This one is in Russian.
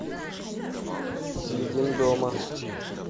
едим дома